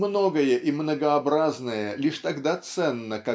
Многое и многообразное лишь тогда ценно